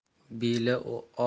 beli og'rimagan bel